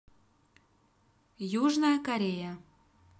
южная корея